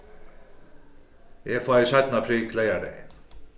eg fái seinna prik leygardagin